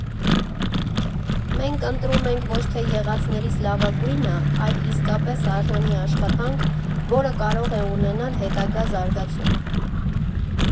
Մենք ընտրում ենք ոչ թե եղածներից լավագույնը, այլ իսկապես արժանի աշխատանք, որը կարող է ունենալ հետագա զարգացում։